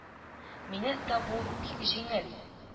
— мине табу бик җиңел